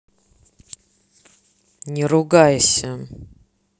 не ругайся